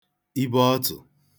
ibeọtụ̀